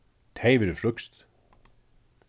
tað hevði verið frískt